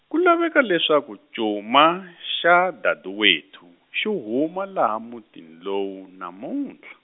ku laveka leswaku cuma xa Daduwethu, xi huma laha mutini lowu namuntlha.